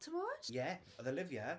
Timod. Ie, oedd Olivia...